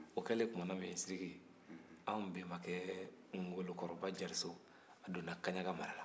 o kɛlen tuma min na sidiki anw bɛnbakɛ ngolo koroba diarisso a donna kaɲaga mara la